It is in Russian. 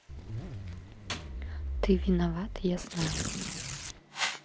ты виноват я знаю